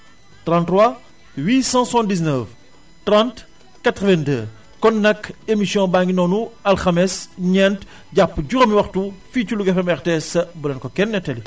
33 879 30 82 kon nag émission baa ngi noonu alxames ñent jàpp juróomi waxtu fii ci Louga FM RTS bu leen ko kenn netali